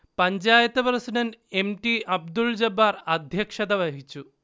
Panchayat president M. T. Abdul Jabbar അധ്യക്ഷത വഹിച്ചു